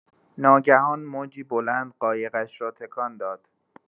ناگهان موجی بلند قایقش را تکان داد.